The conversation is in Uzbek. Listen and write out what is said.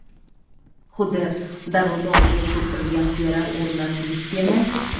xuddi darvoza oldiga cho'ktirilgan tuyalar o'rnidan turgisi kelmay